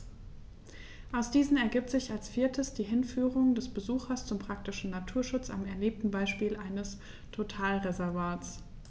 Aus diesen ergibt sich als viertes die Hinführung des Besuchers zum praktischen Naturschutz am erlebten Beispiel eines Totalreservats.